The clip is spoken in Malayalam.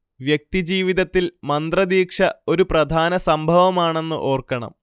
വ്യക്തി ജീവിതത്തിൽ മന്ത്രദീക്ഷ ഒരു പ്രധാന സംഭവമാണെന്ന് ഓർക്കണം